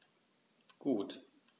Gut.